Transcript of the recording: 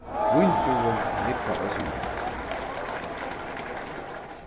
víndrúvur rigga eisini væl